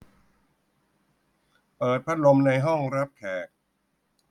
เปิดพัดลมในห้องรับแขก